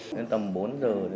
đến tầm bốn giờ